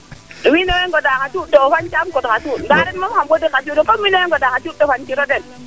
wiin we mbay ngoda xa cuu to o fañ taam god xa cuuɗ nda ren moom xam god xa cuuɗ comme wiin we mbay ngoda xa cuuɗ to fañ tiro den